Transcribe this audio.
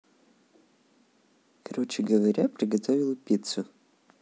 короче говоря приготовил пиццу